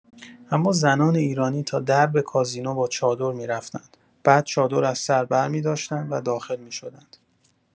اما زنان ایرانی تا درب کازینو با چادر می‌رفتند، بعد چادر از سر برمی‌داشتند و داخل می‌شدند!